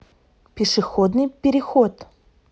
пешеходный переход